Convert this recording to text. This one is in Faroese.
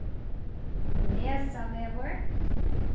nesavegur